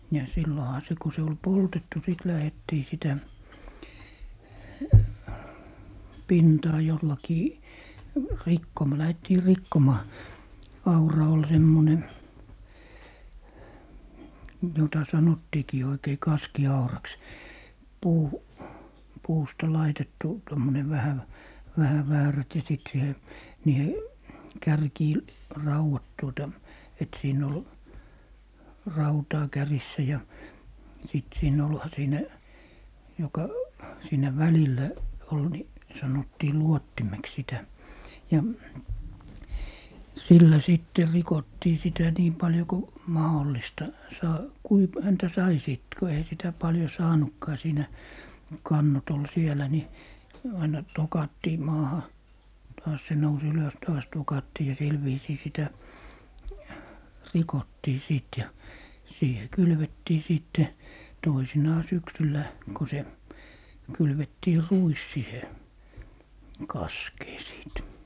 ja silloinhan se kun se oli poltettu sitten lähdettiin sitä pintaa jollakin - lähdettiin rikkomaan aura oli semmoinen jota sanottiinkin oikein kaskiauraksi - puusta laitettu tuommoinen vähän - vähän väärät ja sitten siihen niihin kärkiin raudat tuota että siinä oli rautaa kärjissä ja sitten siinä olihan siinä joka siinä välillä oli niin sanottiin luottimeksi sitä ja sillä sitten rikottiin sitä niin paljon kuin mahdollista - kuinka - häntä sai sitten kun eihän sitä paljon saanutkaan siinä kannot oli siellä niin aina tokattiin maahan taas se nousi ylös taas tokattiin ja sillä viisiin sitä rikottiin sitten ja siihen kylvettiin sitten toisinaan syksyllä kun se kylvettiin ruis siihen kaskeen sitten